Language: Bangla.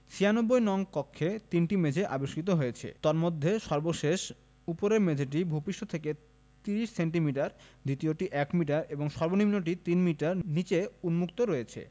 ৯৬ নং কক্ষে তিনটি মেঝে আবিষ্কৃত হয়েছে তন্মধ্যে সর্বশেষ উপরের মেঝেটি ভূপৃষ্ঠ থেকে ৩০ সেন্টিমিটার দ্বিতীয়টি ১মিটার এবং সর্বনিম্নটি ৩মিটার নিচে উন্মুক্ত হয়েছে